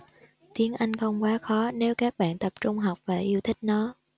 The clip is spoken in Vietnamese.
tiếng anh không quá khó nếu các bạn tập trung học và yêu thích nó